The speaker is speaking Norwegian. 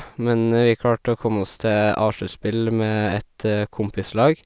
Men vi klarte å komme oss til A-sluttspill med et kompislag.